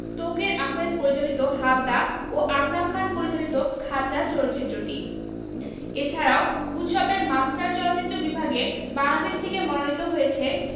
তৌকীর আহমেদ পরিচালিত হালদা ও আকরাম খান পরিচালিত খাঁচা চলচ্চিত্র এছাড়াও উৎসবের মাস্টার চলচ্চিত্র বিভাগে বাংলাদেশ থেকে মনোনীত হয়েছে